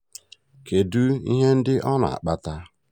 Kedu ihe ndị ọ na-akpata?